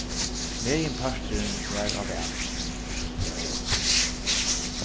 meginparturin var á val